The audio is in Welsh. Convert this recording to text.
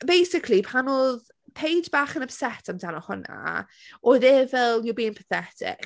Basically, pan oedd Paige bach yn upset amdano hwnna, oedd e fel "You're being pathetic."